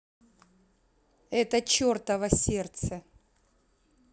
это чертово сердце